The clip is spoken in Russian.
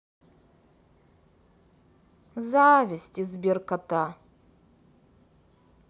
зависть из сберкота